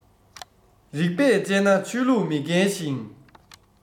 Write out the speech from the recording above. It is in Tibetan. རིག པས དཔྱད ན ཆོས ལུགས མི འགལ ཞིང